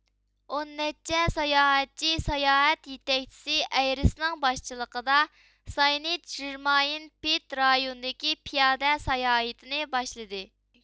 ئون نەچچە ساياھەتچى ساياھەت يېتەكچىسى ئەيرىسنىڭ باشچىلىقىدا ساينت ژېرماين پېد رايونىدىكى پىيادە ساياھىتىنى باشلىدى